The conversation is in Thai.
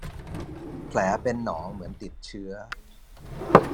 แผลเป็นหนองเหมือนติดเชื้อ